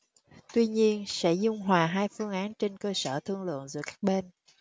tuy nhiên sẽ dung hòa hai phương án trên cơ sở thương lượng giữa các bên